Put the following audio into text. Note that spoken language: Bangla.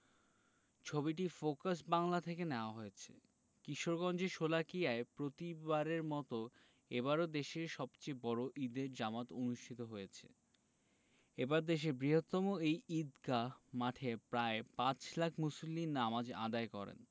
ছবিটি ফোকাস বাংলা থেকে নেয়া হয়েছে কিশোরগঞ্জের শোলাকিয়ায় প্রতিবারের মতো এবারও দেশের সবচেয়ে বড় ঈদের জামাত অনুষ্ঠিত হয়েছে এবার দেশের বৃহত্তম এই ঈদগাহ মাঠে প্রায় পাঁচ লাখ মুসল্লি নামাজ আদায় করেন